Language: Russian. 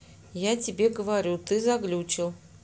я тебе говорю ты заглючил